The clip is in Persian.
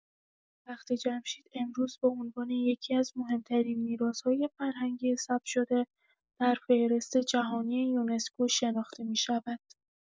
تخت‌جمشید امروز به عنوان یکی‌از مهم‌ترین میراث‌های فرهنگی ثبت‌شده در فهرست جهانی یونسکو شناخته می‌شود.